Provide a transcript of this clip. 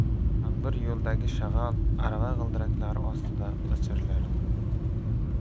taqir yo'ldagi shag'al arava g'ildiraklari ostida g'ichirlardi